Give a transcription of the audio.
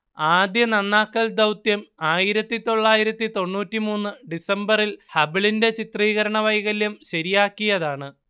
ആദ്യ നന്നാക്കൽ ദൗത്യം ആയിരത്തിതൊള്ളായിരത്തിതൊണ്ണൂറ്റിമൂന്ന് ഡിസംബറിൽ ഹബിളിന്റെ ചിത്രീകരണ വൈകല്യം ശരിയാക്കിയതാണ്